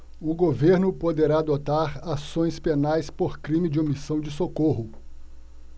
o governo poderá adotar ações penais por crime de omissão de socorro